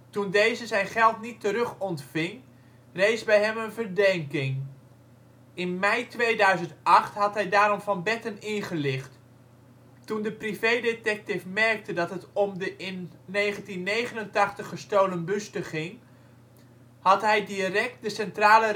Toen deze zijn geld niet terugontving, rees bij hem een verdenking. Eind 2008 had hij daarom Van Betten ingelicht. Toen de privédetective merkte dat het om de in 1989 gestolen buste ging, had hij direct de Centrale